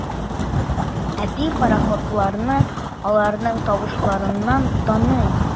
Әти пароходларны аларның тавышларыннан таный.